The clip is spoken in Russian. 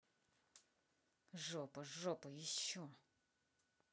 жопажопа еще